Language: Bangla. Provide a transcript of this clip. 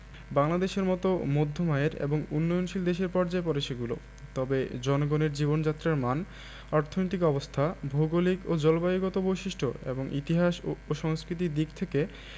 বাংলাদেশের মতো মধ্যম আয়ের এবং উন্নয়নশীল দেশের পর্যায়ে পড়ে সেগুলো তবে জনগণের জীবনযাত্রার মান অর্থনৈতিক অবস্থা ভৌগলিক ও জলবায়ুগত বৈশিষ্ট্য এবং ইতিহাস ও সংস্কৃতির দিক থেকে